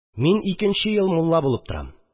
Мин икенче ел мулла булып торам